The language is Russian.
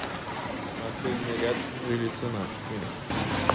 модельный ряд джили ценами